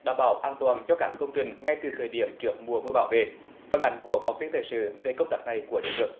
đảm bảo an toàn cho các công trình ngay từ thời điểm trước mùa mưa bão về phản ánh của phóng viên thời sự về công tác này của địa phương